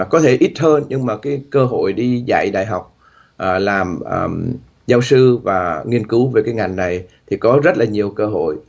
có thể ít hơn nhưng mà cái cơ hội đi dạy đại học và làm làm giáo sư và nghiên cứu về các ngành này thì có rất là nhiều cơ hội